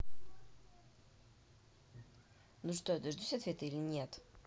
ну что я дождусь ответа или нет